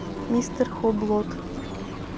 мистер хоблот